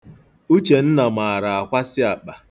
Uchenna maara akwasị akpa.